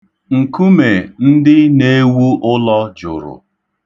Nkume ndị na-ewu ụlọ jụrụ...